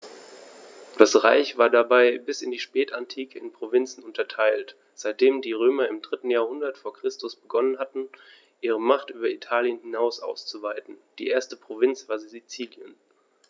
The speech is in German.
Das Reich war dabei bis in die Spätantike in Provinzen unterteilt, seitdem die Römer im 3. Jahrhundert vor Christus begonnen hatten, ihre Macht über Italien hinaus auszuweiten (die erste Provinz war Sizilien).